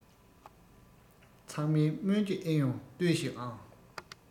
ཚང མས སྨོན རྒྱུ ཨེ ཡོང ལྟོས ཤིག ཨང